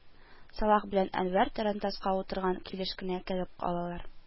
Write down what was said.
Салах белән Әнвәр тарантаска утырган килеш кенә кәгеп алалар